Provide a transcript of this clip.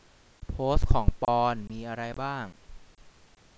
โพสต์ของปอนด์มีอะไรบ้าง